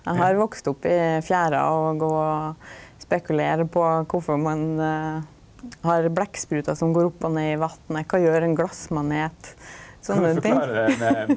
eg har vakse opp i fjøra og gå å spekulera på kvifor ein har blekksprutar som går opp og ned i vatnet, kva gjer ei glasmanet, sånne ting.